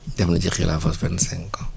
def na si xilaafa vingt cinq ans